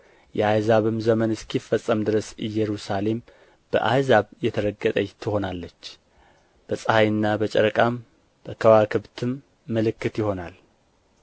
የአሕዛብም ዘመን እስኪፈጸም ድረስ ኢየሩሳሌም በአሕዛብ የተረገጠች ትሆናለች በፀሐይና በጨረቃም በከዋክብትም ምልክት ይሆናል